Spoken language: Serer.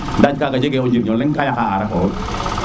ande ka ga jege o njir ño leng ka yaka ara kewo rek